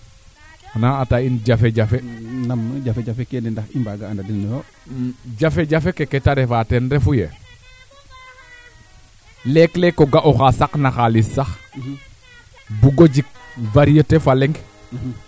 ga'aam oxa ando naye fag na boo ndiik oxey leya xame em jeg anga comme o axo lewo a ne'a comme yeger fee im xooxa bota leerame a bugaan